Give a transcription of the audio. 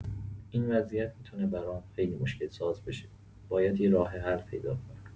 این وضعیت می‌تونه برام خیلی مشکل‌ساز بشه، باید یه راه‌حل پیدا کنم.